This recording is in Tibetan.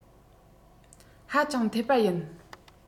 ཧ ཅང འཐད པ ཡིན